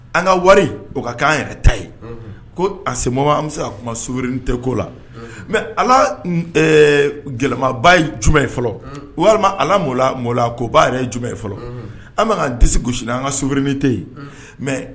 An ka wari o k' an yɛrɛ ta ye. Unhun. Ko en ce moment an bɛ se ka kuma souveraineté ko la. Unhun. Mais ɛɛ a la gɛlɛmanba ye jumɛn ye fɔlɔ ? Un! Walima a la maloya maloya ko ba yɛrɛ jumɛn ye fɔlɔ? Unhun. An bɛ k'an disi gosi n'an ka souveraineté . Un!